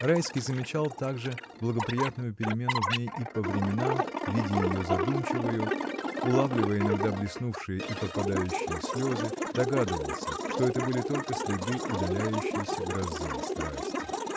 Райский замечал также благоприятную перемену в ней и по временам, видя ее задумчивою, улавливая иногда блеснувшие и пропадающие слезы, догадывался, что это были только следы удаляющейся грозы, страсти.